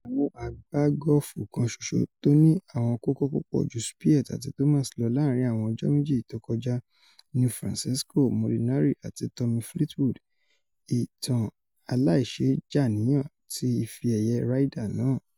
̀Àwọn agbá̀ gọ́ọ̀fù kan ṣoṣo tóní àwọn kókó púpọ̀ ju Spieth àti Thomas lọ láàrin àwọn ọjọ́ méjì tókọjá ni Francesco Molinari à̵ti Tommy Fleetwood, ìtàn aláìṣeéjàníyàn ti Ìfe-ẹ̀yẹ́ Ryder náà.